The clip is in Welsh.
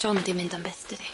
John di mynd am byth dydi?